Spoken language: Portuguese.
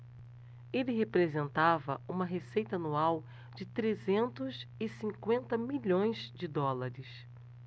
ele representava uma receita anual de trezentos e cinquenta milhões de dólares